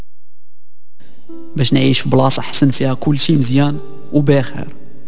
بس نعيش بلاط احسن فيها كل شي مزيان وباخر